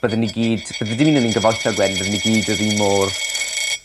byddwn ni gyd bydde dim o ni'n gyfoethog wedyn bydden ni gyd yr un mor